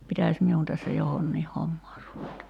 pitäisi minun tässä johonkin hommaan ruveta